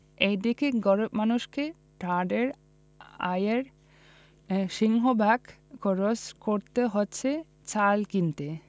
এদিকে গরিব মানুষকে তাঁদের আয়ের সিংহভাগ খরচ করতে হচ্ছে চাল কিনতে